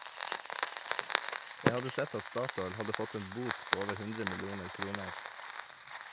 Jeg hadde sett at statoil hadde fått en bot på over 100 millioner kroner.